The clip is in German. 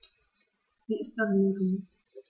Mir ist nach Nudeln.